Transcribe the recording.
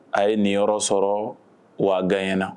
A' ye nin yɔrɔ sɔrɔ waga gany na